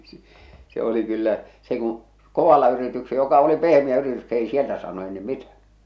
- se oli kyllä se kun kovalla - joka oli pehmeä yritys ei sieltä saanut ei niin mitä